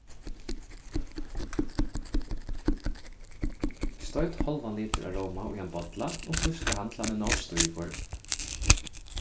stoyt hálvan litur av róma í ein bolla og píska hann til hann er nóg stívur